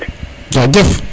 jajef